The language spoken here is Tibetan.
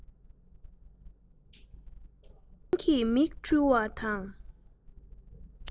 འགུག མཁན གྱི མིག འཕྲུལ བ དང